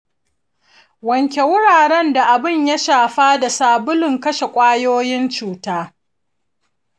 wanke wuraren da abun ya shafa da sabulun kashe ƙwayoyin cuta.